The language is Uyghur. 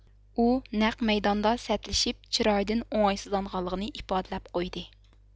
ئۇ نەق مەيداندا سەتلىشىپ چىرايىدىن ئوڭايسىزلانغانلىقىنى ئىپادىلەپ قويدى